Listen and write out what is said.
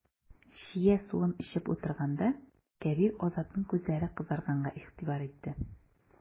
Чия суын эчеп утырганда, Кәбир Азатның күзләре кызарганга игътибар итте.